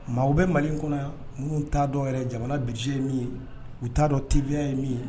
Maa u bɛ mali kɔnɔ yan n t'a dɔn yɛrɛ jamana bisi ye min ye u t'a dɔn tibiya ye min ye